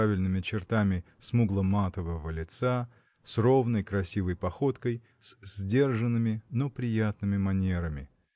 правильными чертами смугло-матового лица с ровной красивой походкой с сдержанными но приятными манерами.